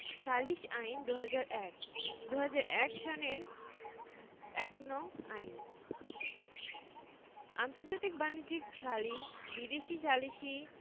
সালিস আইন ২০০১ ২০০১ সনের ১নং আইন আন্তর্জাতিক বাণিজ্যিক সালিস বিদেশী সালিসী